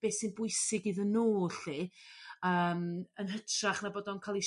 Be' sy'n bwysig iddyn nw lly yym yn hytrach na bod o'n ca'l 'i siapio